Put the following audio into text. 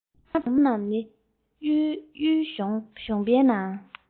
བོད ཁང དཀར པོ རྣམས ནི གཡུའི གཞོང པའི ནང